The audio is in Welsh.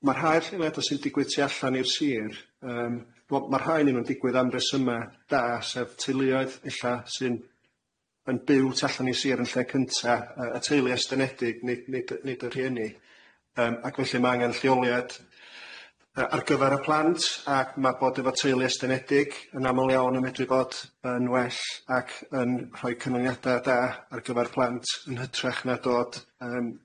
Ma' rhai o'r lleoliadau sy'n digwydd tu allan i'r sir yym wel ma' rhai o'nyn nw'n digwydd am resyma da, sef teuluoedd ella sy'n yn byw tu allan i sir yn lle cynta yy y teulu estynedig nid nid yy nid y rhieni yym ac felly ma' angan lleoliad yy ar gyfer y plant ac ma' bod efo teulu estynedig yn amal iawn yn medru bod yn well ac yn rhoi canlyniada da ar gyfer plant yn hytrach na dod yym